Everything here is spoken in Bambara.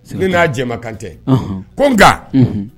Sinbo n'a jɛma kan tɛ, unhun, ko nka